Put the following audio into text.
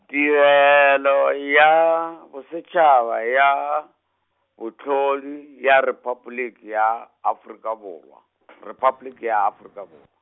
Tirelo ya Bosetšhaba ya, Bohlodi ya Repabliki ya Afrika Borwa , Repabliki ya Afrika Borwa.